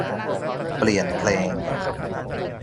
เปลี่ยนเพลง